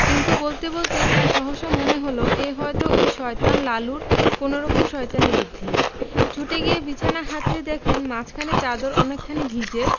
কিন্তু বলতে বলতেই তাঁর সহসা মনে হলো এ হয়ত ঐ শয়তান লালুর কোনরকম শয়তানি বুদ্ধি ছুটে গিয়ে বিছানা হাতড়ে দেখেন মাঝখানে চাদর অনেকখানি ভিজে